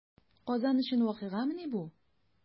Казан өчен вакыйгамыни бу?